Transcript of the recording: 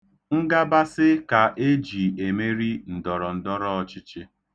Ngabasị ka e ji emeri ndọrọndọrọọchịchị.